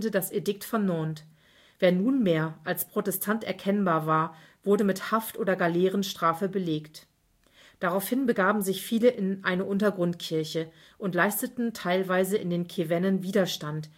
das Edikt von Nantes. Wer nunmehr als Protestant erkennbar war, wurde mit Haft oder Galeerenstrafe belegt. Daraufhin begaben sich viele in eine Untergrundkirche und leisteten teilweise in den Cevennen Widerstand